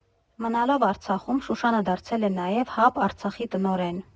Մնալով Արցախում՝ Շուշանը դարձել է նաև «ՀԱԲ Արցախի» տնօրեն։